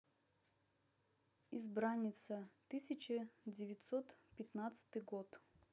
избранница тысяча девятьсот пятнадцатый год